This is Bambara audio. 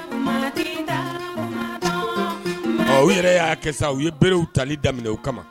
O yɛrɛ y'a kɛ sa u ye bereerew tali daminɛ o kama